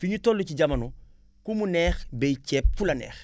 fi ñu toll ci jamono ku mu neex bay ceeb fu la neex